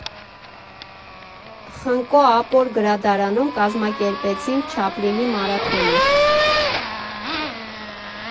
Խնկո Ապոր գրադարանում կազմակերպեցինք Չապլինի մարաթոնը։